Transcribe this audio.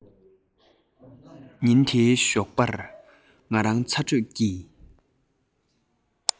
ཉིན དེའི ཞོགས པར ང རང ཚ དྲོད ཀྱིས